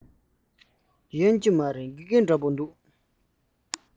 ཡིན གྱི མ རེད དགེ རྒན འདྲ པོ འདུག